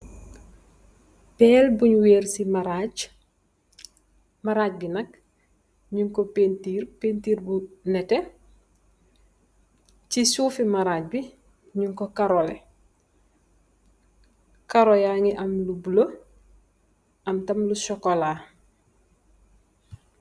Peel buñg weed si maraaj, maraaj bi nak, ñung ko peentir peentir bu nétté. Ci suuf bi maraaj bi, ñung ko karoo le, karoo yaa ngi am lu bulo ak lu sokolaa.